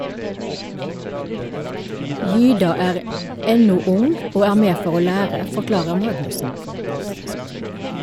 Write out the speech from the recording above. - Gyda er ennå ung og er med for å lære, forklarer Magnussen.